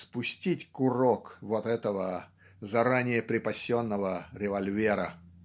спустить курок вот этого, заранее припасенного револьвера.